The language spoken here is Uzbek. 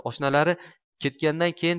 oshnalari ketgandan keyin